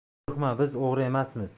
qo'rqma biz o'g'ri emasmiz